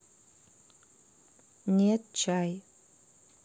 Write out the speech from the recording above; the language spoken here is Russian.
нет чай